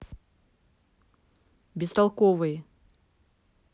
бестолковый